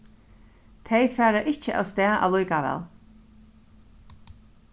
tey fara ikki avstað allíkavæl